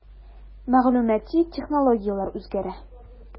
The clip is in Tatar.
Мәгълүмати технологияләр үзгәрә.